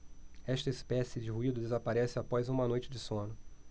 esta espécie de ruído desaparece após uma noite de sono